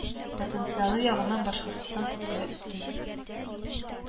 Потенциалы ягыннан башкортстан күпкә өстен